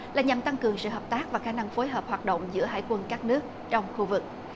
là nhằm tăng cường sự hợp tác và khả năng phối hợp hoạt động giữa hải quân các nước trong khu vực